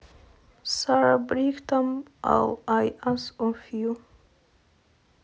sarah brightman all i ask of you